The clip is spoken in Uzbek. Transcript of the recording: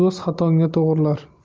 do'st xatongni to'g'rilar